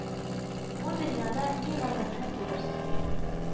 Бу дөньяда ни гамәлне кылырсың